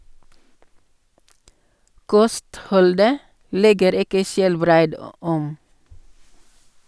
Kostholdet legger ikke Skjelbreid om.